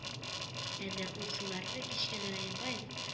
Әмма ут-суларны кичкән Раимбаев